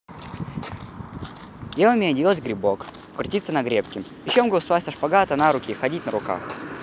я умею делать грибок крутиться на гребке еще могу вставать со шпагата на руки ходить на руках